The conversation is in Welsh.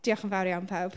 Diolch yn fawr iawn pawb.